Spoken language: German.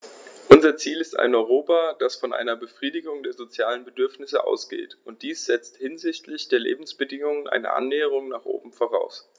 Unser Ziel ist ein Europa, das von einer Befriedigung der sozialen Bedürfnisse ausgeht, und dies setzt hinsichtlich der Lebensbedingungen eine Annäherung nach oben voraus.